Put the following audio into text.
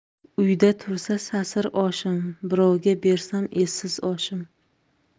uyda tursa sasir oshim birovga bersam esiz oshim